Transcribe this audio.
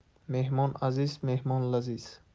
mehmon aziz mezbon laziz